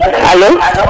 alo